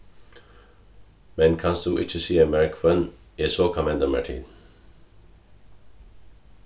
men kanst tú ikki siga mær hvønn eg so kann venda mær til